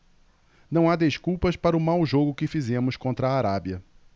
não há desculpas para o mau jogo que fizemos contra a arábia